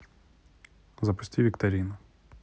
запусти викторину